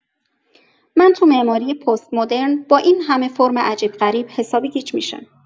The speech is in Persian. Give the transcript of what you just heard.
من تو معماری پست‌مدرن با این همه فرم عجیب‌غریب حسابی گیج می‌شم.